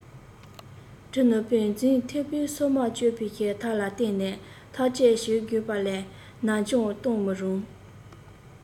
གྲི རྣོ པོས འཛིང ཐེབས པའི སོ མ གཅོད པའི ཐབས ལ བརྟེན ནས ཐག གཅོད བྱེད དགོས པ ལས ནར འགྱངས གཏོང མི རུང